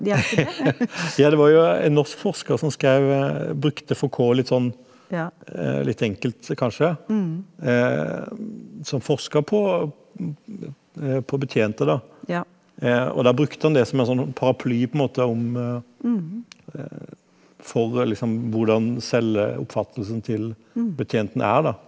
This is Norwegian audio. ja det var jo en norsk forsker som skreiv brukte Foucualt litt sånn litt enkelt kanskje som forska på på betjenter da og da brukte han det som er sånn paraply på en måte om for liksom hvordan selvoppfattelsen til betjenten er da.